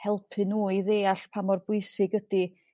helpu nhw i ddeall pa mor bwysig ydi